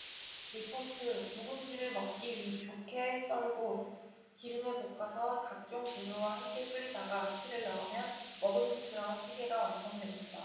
리포트 묵은지를 먹기 좋게 썰고 기름에 볶아서 각종 재료와 함께 끓이다가 참치를 넣으면 먹음직스러운 찌개가 완성됩니다